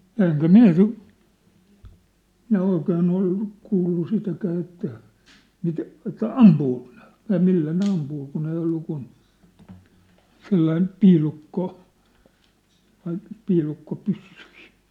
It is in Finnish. ja enkä minä sitä minä oikein ole kuullut sitäkään että - että ampuuko ne ja millä ne ampuu kun ei ollut kuin sellainen - noita piilukkopyssyjä